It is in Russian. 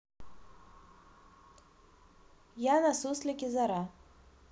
я на суслики зара